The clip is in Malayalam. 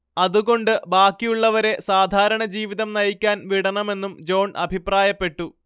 അതുകൊണ്ട് ബാക്കിയുള്ളവരെ സാധാരണജീവിതം നയിക്കാൻ വിടണമെന്ന് ജോൺ അഭിപ്രായപ്പെട്ടു